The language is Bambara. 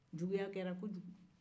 juguya kɛra kojugu